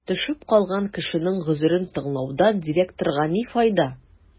Төшеп калган кешенең гозерен тыңлаудан директорга ни файда?